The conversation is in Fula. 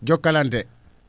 Jakalante